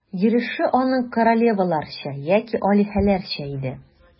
Йөреше аның королеваларча яки алиһәләрчә иде.